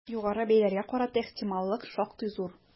Югары бәяләргә карата ихтималлык шактый зур.